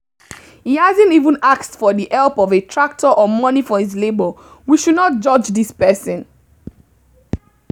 He hasn't even asked for the help of a tractor or money for his labor. We should not judge this person.